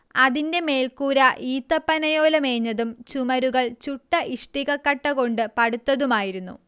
അതിന്റെ മേൽക്കൂര ഈത്തപ്പനയോല മേഞ്ഞതും ചുമരുകൾ ചുട്ട ഇഷ്ടിക കട്ട കൊണ്ട് പടുത്തതുമായിരുന്നു